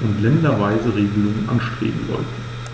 und länderweise Regelungen anstreben sollten.